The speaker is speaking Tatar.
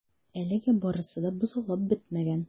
Әлегә барысы да бозаулап бетмәгән.